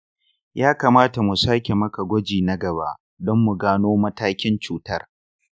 ya kamata mu sake maka gwaji na gaba don mu gano matakin cutar.